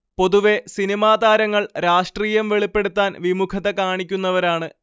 പൊതുവെ സിനിമാതാരങ്ങൾ രാഷ്ട്രീയം വെളിപ്പെടുത്തുവാൻ വിമുഖത കാണിക്കുന്നവരാണ്